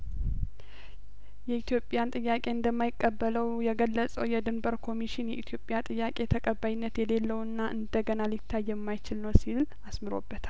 የኢትዮጵያን ጥያቄ እንደማይቀበለው የገለጸው የድንበር ኮሚሽን የኢትዮጵያ ጥያቄ ተቀባይነት የሌለውና እንደገና ሊታይ የማይችል ነው ሲል አስምሮበታል